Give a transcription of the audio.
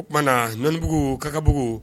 O tumana na nbugu' kabugu